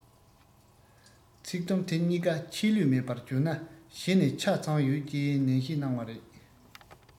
ཚིག དུམ དེ གཉིས ཀ ཆད ལུས མེད པར བརྗོད ན གཞི ནས ཆ ཚང ཡོད ཅེས ནན བཤད གནང བ རེད